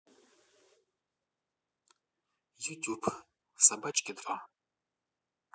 ютуб собачки два